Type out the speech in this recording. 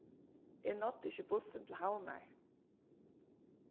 eg náddi ikki bussin til havnar